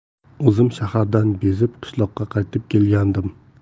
o'zim shahardan bezib qishloqqa qaytib kelgandim